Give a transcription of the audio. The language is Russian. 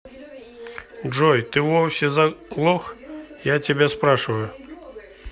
джой ты вовсе заглох я тебя спрашиваю